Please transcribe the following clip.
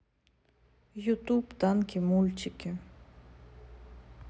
ютуб танки мультики